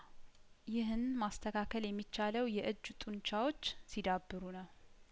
ይህን ማስተካከል የሚቻለው የእጅ ጡንቻዎች ሲዳብሩ ነው